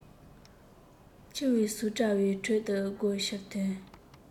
ཁྱིའི ཟུག སྒྲའི ཁྲོད དུ སྒོ ཕྱིར ཐོན